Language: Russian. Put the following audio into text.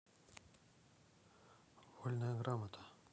вольная грамота